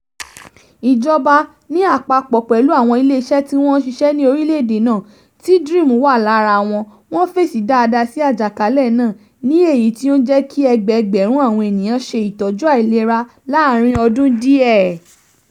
Ìjọba, ní àpapọ̀ pẹ̀lú àwọn ilé iṣẹ́ tí wọ́n ń ṣiṣẹ́ ní orílẹ̀ èdè náà, tí DREAM wà lára wọn, wọ́n fèsì daada sí àjàkálẹ̀ náà, ní èyí tí ó ń jẹ́ kí ẹgbẹẹgbẹ̀rún àwọn ènìyàn ṣe ìtọ́jú àìlera láàárín ọdún díẹ̀.